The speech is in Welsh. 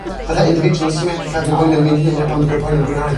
fatah individualism ie? Gad fi boeni am fi'n hun a pam dechre poeni am rhywun arall...